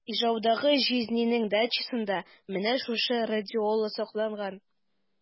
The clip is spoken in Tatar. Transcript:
Ижаудагы җизнинең дачасында менә шушы радиола сакланган.